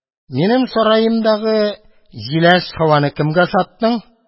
Минем сараемдагы җиләс һаваны кемгә саттың?